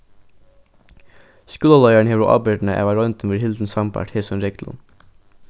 skúlaleiðarin hevur ábyrgdina av at royndin verður hildin sambært hesum reglum